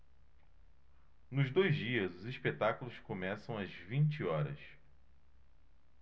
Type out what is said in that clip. nos dois dias os espetáculos começam às vinte horas